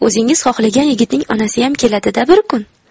o'zingiz xohlagan yigitning onasiyam keladi da bir kun